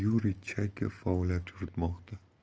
yuriy chayka faoliyat yuritmoqda